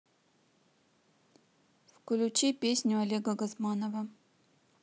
включи песню олега газманова